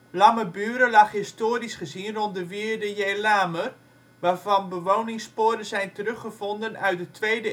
Lammerburen lag historisch gezien rond de wierde Jelamer (53° 19′ NB, 6° 21′ OL), waarvan bewoningsporen zijn teruggevonden uit de 2e eeuw